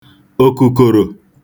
òkùkòrò